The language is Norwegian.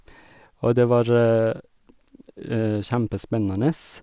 Og det var kjempespennende.